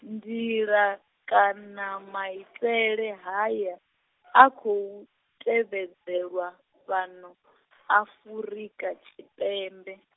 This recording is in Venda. nḓila, kana maitele haya, a khou, tevhedzelwa, fhano, Afurika Tshipembe.